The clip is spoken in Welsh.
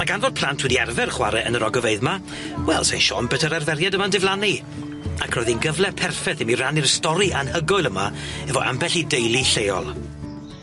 A gan fo'r plant wedi arfer chwar'e yn yr ogofeydd 'ma wel, petai'r arferiad yma'n diflannu, ac roedd hi'n gyfle perffeth i mi rannu'r stori anhygoel yma efo ambell i deulu lleol.